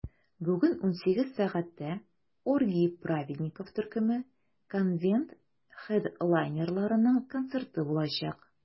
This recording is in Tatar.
Бүген 18 сәгатьтә "Оргии праведников" төркеме - конвент хедлайнерларының концерты булачак.